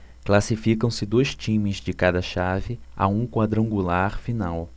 classificam-se dois times de cada chave a um quadrangular final